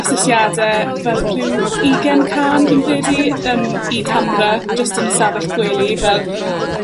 Asesiade fel rhyw ugen cân, fi'n credu, yym i camra jyst yn ystafell gwely fel.